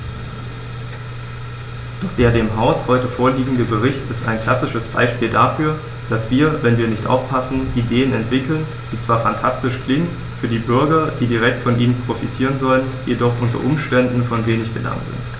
Doch der dem Haus heute vorliegende Bericht ist ein klassisches Beispiel dafür, dass wir, wenn wir nicht aufpassen, Ideen entwickeln, die zwar phantastisch klingen, für die Bürger, die direkt von ihnen profitieren sollen, jedoch u. U. von wenig Belang sind.